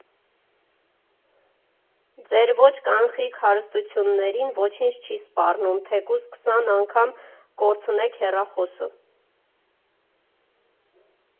Ձեր ոչ կանխիկ հարստություններին ոչինչ չի սպառնում, թեկուզ քսան անգամ կորցնեք հեռախոսը։